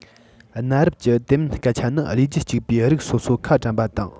གནའ རབས ཀྱི དེ མིན སྐད ཆ ནི རུས རྒྱུད གཅིག པའི རིགས སོ སོ ཁ གྲམ པ དང